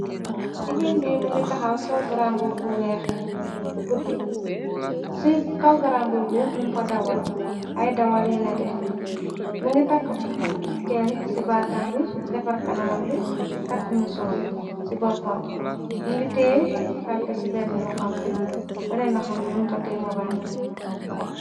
yigéen bi mi ngi taxaw sol-garambubu bu weex bu guddu, ci kaw-garambubu bi mum fa dawal ay dawal yu nete, mi ngi tàkk ceen ci baatam bi, defar kanamam bi, tàkk mu soor ci boppam bi, më ngi tiye kalpe ci benne loxom bi, bennen loxom bi mum fa tiye mobayil.